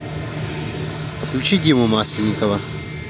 включи диму масленникова